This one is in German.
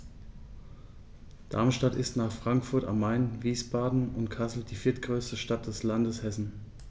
Darmstadt ist nach Frankfurt am Main, Wiesbaden und Kassel die viertgrößte Stadt des Landes Hessen